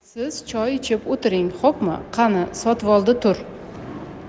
siz choy ichib o'tiring xo'bmi qani sotvoldi tur